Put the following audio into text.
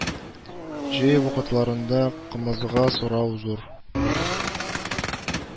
Җәй вакытларында кымызга сорау зур